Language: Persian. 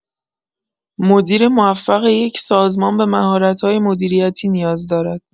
مدیر موفق یک سازمان به مهارت‌های مدیریتی نیاز دارد.